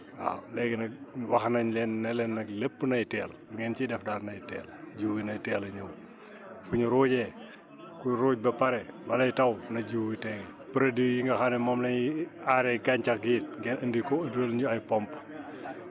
waaw léegi nag wax nañ leen ne leen nag lépp nay teel lu ngeen ciy def daal nay teel jiw wi nay teel a ñëw fu ñu ruujee ku ruuj ba pare balay taw na jiw wi teel produits yi nga xam ne moom lañuy aaree gàncax gi ngeen indi ko jural ñu ay pompes